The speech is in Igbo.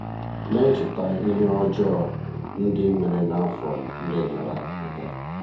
Na-echeta ihe ọjọọ ndị mere n'afọ ndị gara aga